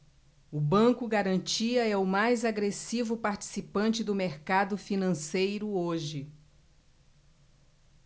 o banco garantia é o mais agressivo participante do mercado financeiro hoje